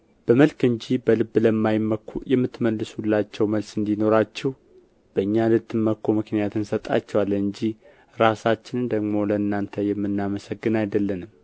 በመልክ እንጂ በልብ ለማይመኩ የምትመልሱላቸው መልስ እንዲኖራችሁ በእኛ ልትመኩ ምክንያት እንሰጣችኋለን እንጂ ራሳችንን ደግሞ ለእናንተ የምናመሰግን አይደለንም